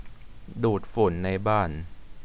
ดูดฝุ่นในบ้าน